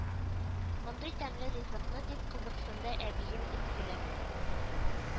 Мондый тәмле ризыкны, дип кызыксынды әбием, дип көлә